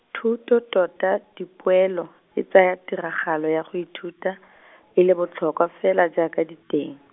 thuto tota dipoelo, e tsaya tiragalo ya go ithuta , e le botlhokwa fela jaaka diteng.